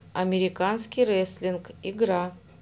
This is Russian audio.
американский рестлинг игра